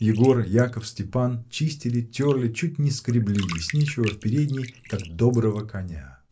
Егор, Яков, Степан чистили, терли, чуть не скребли лесничего в передней, как доброго коня.